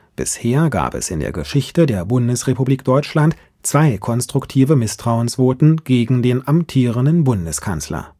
Bisher gab es in der Geschichte der Bundesrepublik Deutschland zwei konstruktive Misstrauensvoten gegen den amtierenden Bundeskanzler